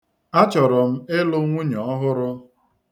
Achọro m ịlụ nwunye ọhụrụ.